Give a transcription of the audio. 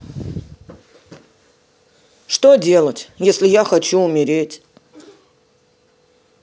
что делать если я хочу умереть